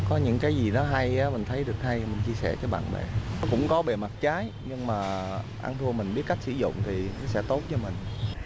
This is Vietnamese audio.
có những cái gì đó hay mình thấy được hay mình chia sẻ với bạn bè cũng có bề mặt trái nhưng mà ăn thua mình biết cách sử dụng thì sẽ tốt cho mình